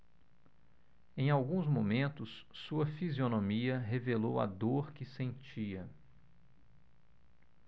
em alguns momentos sua fisionomia revelou a dor que sentia